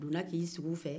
a donna k'i sigi u fɛ